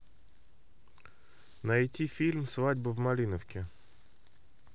найти фильм свадьба в малиновке